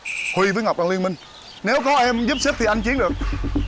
huy với ngọc đang liên minh nếu có em giúp sức thì anh chiến được